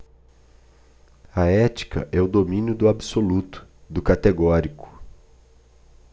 a ética é o domínio do absoluto do categórico